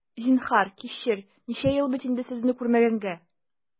Зинһар, кичер, ничә ел бит инде сезне күрмәгәнгә!